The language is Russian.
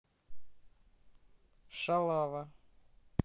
шалава